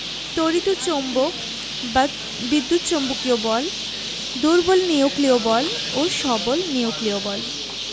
তড়িৎ চৌম্বক বা বিদ্যুৎ চৌম্বকীয় বল দুর্বল নিউক্লিয় বল ও সবল নিউক্লিয় বল